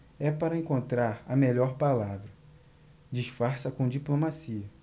é para encontrar a melhor palavra disfarça com diplomacia